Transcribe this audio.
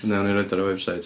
Wnawn ni roid o ar y website.